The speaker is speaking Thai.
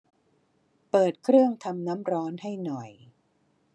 เปิดเครื่องทำน้ำร้อนให้หน่อย